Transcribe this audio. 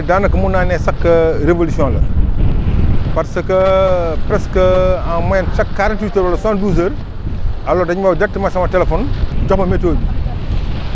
Nafoore daanaka mën naa ne sax révolution la parce que presque en moyenne chaque quarante huit heures wala soixante douze heures alors dañ ma woo directement sama téléphone jox ma météo bi